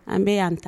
An bɛ yan n ta